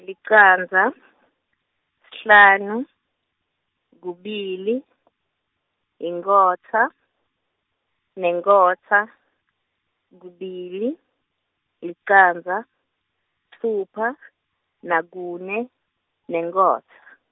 licandza, sihlanu, kubili, inkhotsa, nenkhotsa, kubili, licandza, sitfupha , nakune, nenkhotsa.